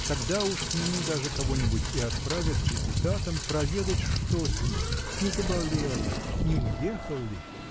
Тогда уж к нему даже кого-нибудь и отправят депутатом проведать что с ним не заболел ли не уехал ли?